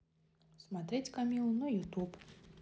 смотреть камилу на ютуб